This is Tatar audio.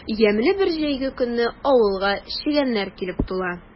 Ямьле бер җәйге көнне авылга чегәннәр килеп тула.